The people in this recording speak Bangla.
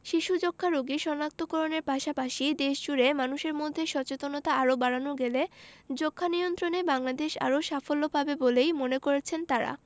শিশু যক্ষ্ণারোগী শনাক্ত করণের পাশাপাশি দেশজুড়ে মানুষের মধ্যে সচেতনতা আরও বাড়ানো গেলে যক্ষ্মানিয়ন্ত্রণে বাংলাদেশ আরও সাফল্য পাবেই বলে মনে করছেন তারা